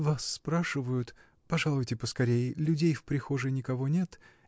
Вас спрашивают, пожалуйте поскорей, людей в прихожей никого нет.